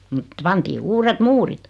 mutta pantiin uudet muurit